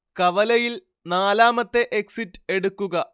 കവലയിൽ നാലാമത്തെ എക്സിറ്റ് എടുക്കുക